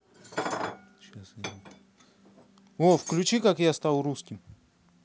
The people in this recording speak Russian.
как я стал русским включить